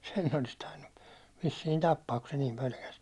sen ne olisi tainnut vissiin tappaa kun se niin pelkäsi